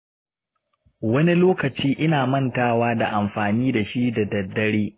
wani lokacin ina mantawa da amfani da shi da daddare.